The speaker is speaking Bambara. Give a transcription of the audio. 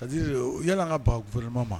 C'est à dire yanni an ka baga gouvernement ma